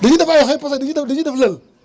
dañuy def ay xoy parce que dañuy def dañuy def lël